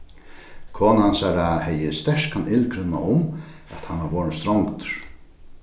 kona hansara hevði sterkan illgruna um at hann var vorðin strongdur